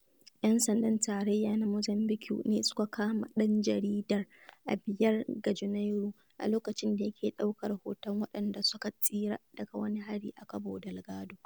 Yan sandan tarayya na Mozambiƙue ne suka kama ɗan jaridar a 5 ga Janairu, a lokacin da yake ɗaukar hoton waɗanda suka tsira daga wani hari a Cabo Delgado.